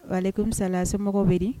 Wa kɔmimisala semɔgɔw bɛ